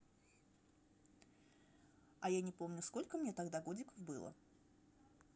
а не помню сколько мне тогда годиков было